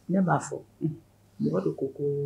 Ne b'a fɔ mɔgɔ de ko ko